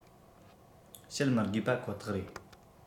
བཤད མི དགོས པ ཁོ ཐག རེད